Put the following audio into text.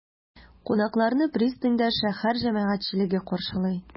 Кунакларны пристаньда шәһәр җәмәгатьчелеге каршылый.